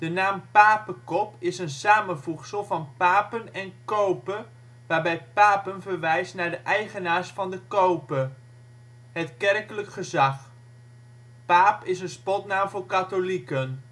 naam Papekop is een samenvoegsel van papen en cope, waarbij papen verwijst naar de eigenaars van de cope: het kerkelijk gezag. Paap is een spotnaam voor Katholieken